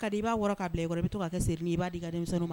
Ka i b'a k' bila i bɛ to' kɛ se i'